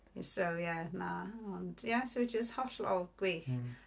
So ie, na. Ond ie, so jyst hollol gwych.